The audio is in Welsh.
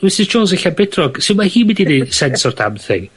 Misis Jones yn Llanbedrog? Sud ma' hi mynd i neud sense o'r damn thing?